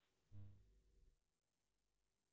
да ладно не расстраивайся